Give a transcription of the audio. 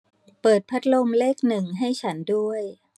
เปิดพัดลมเลขหนึ่งให้ฉันด้วย